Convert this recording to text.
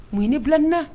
Mun ye ne bila ni na?